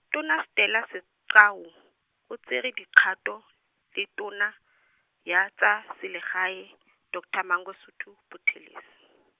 Tona Stella Sigcau, o tsere dikgato, le tona, ya tsa, selegae, doctor Mangosuthu Buthelezi.